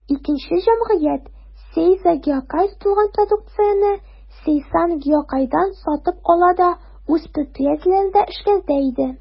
Икенче җәмгыять, «Сейзо Гиокай», тотылган продукцияне «Сейсан Гиокайдан» сатып ала да үз предприятиеләрендә эшкәртә иде.